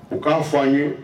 U'a fɔ' an ye